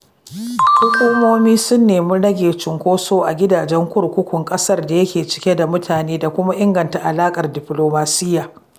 Hukumomin sun nemi rage cunkoso a gidajan kurkukun ƙasar da yake cike da mutane da kuma inganta alaƙar diflomasiyya.